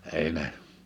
ei ne